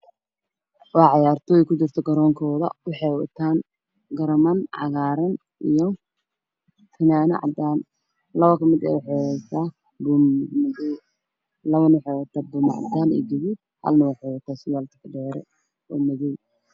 Waa ciyaartay ku jirtay garoonkooda waxay wataan garaman cagaaran iyo fanaanado cadaan labo waxay wataan buu ma madow lana xeebataan buu ma caddaan hal nootahado mubaartii